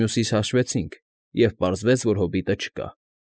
Մյուսիս հաշվեցինք, և պարզվեց, որ հոբիտը չկա։